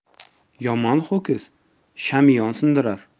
yomon ho'kiz shamiyon sindirar